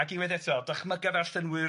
Ac unwaith eto dychmyga'r darllenwyr.